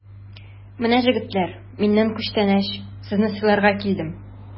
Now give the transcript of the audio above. Менә, җегетләр, миннән күчтәнәч, сезне сыйларга килдем!